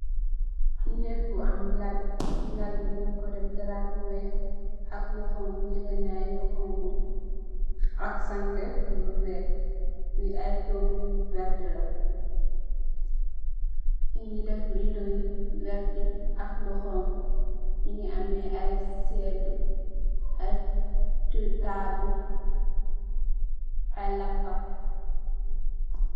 neek by am Lal Lal bi nyung ko def darap bu wexx ak lu xonxu njegenay yu xonxu ak sankeh bu weex ki ayy togu yu veerta la nyungi def redoyi veerta ak lu xonxu nyu ngi ameh ayy seetu ay tabul ay lampa